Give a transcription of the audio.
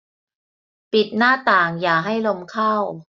ปิดหน้าต่างอย่าให้ลมเข้า